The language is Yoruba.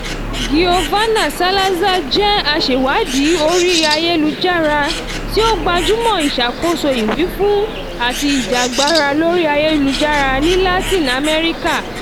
Giovanna Salazar jẹ́ aṣẹ̀wádìí orí ayélujára tí ó gbájú mọ́ ìṣàkóso ìwífún àti ìjìjàgbara lórí ayélujára ní Latin America.